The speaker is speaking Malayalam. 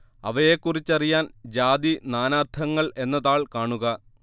അവയെക്കുറിച്ചറിയാൻ ജാതി നാനാർത്ഥങ്ങൾ എന്ന താൾ കാണുക